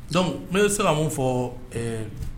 Donc n se mun fɔ